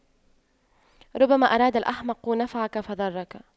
ربما أراد الأحمق نفعك فضرك